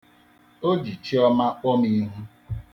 O ji chiọma kpọ m ihu.